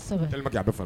A bɛ